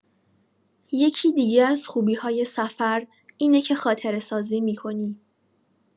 یکی دیگه از خوبی‌های سفر اینه که خاطره‌سازی می‌کنی.